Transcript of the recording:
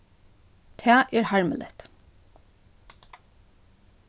tað er harmiligt